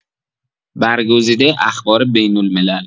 برگزیده اخبار بین‌الملل